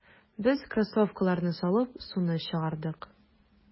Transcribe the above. Без кроссовкаларны салып, суны чыгардык.